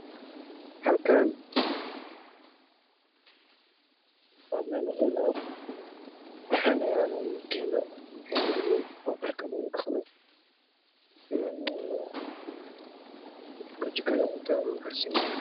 Halkan waa subarmaarke waxaa ii muuqda filinjeero qasaalado dharka lagu dhaqdo iyo kartoomo is dulsar saaran